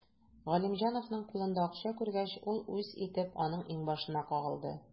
Галимҗановның кулында акча күргәч, ул үз итеп аның иңбашына кагылды.